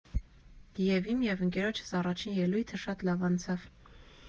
Եվ իմ, և ընկերոջս առաջին ելույթը շատ լավ անցավ։